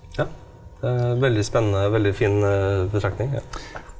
ja veldig spennende, veldig fin betraktning ja.